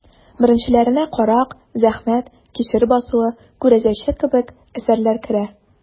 Беренчеләренә «Карак», «Зәхмәт», «Кишер басуы», «Күрәзәче» кебек әсәрләр керә.